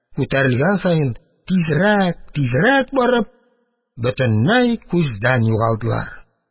Күтәрелгән саен тизрәк-тизрәк барып, бөтенләй күздән югалдылар.